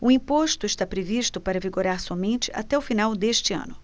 o imposto está previsto para vigorar somente até o final deste ano